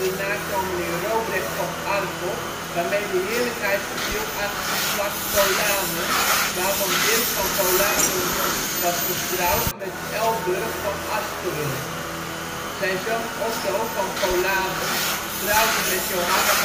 nakomeling Robrecht van Arkel, waarmee de heerlijkheid verviel aan het geslacht Polanen, waarvan Dirk van Polanen was getrouwd met Elburg van Asperen. Zijn zoon Otto van Polanen trouwde met Johanna